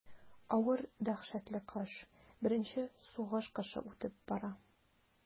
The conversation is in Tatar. Авыр дәһшәтле кыш, беренче сугыш кышы үтеп бара.